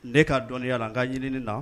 Ne ka dɔnniya n ka ɲininini na